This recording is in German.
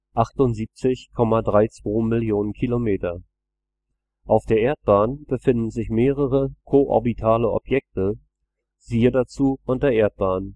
78,32 Mio. km). Auf der Erdbahn befinden sich mehrere koorbitale Objekte, siehe dazu unter Erdbahn. Der